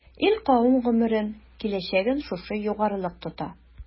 Ил-кавем гомерен, киләчәген шушы югарылык тота.